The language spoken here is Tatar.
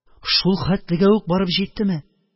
«шул хәтлегә үк барып җиттеме?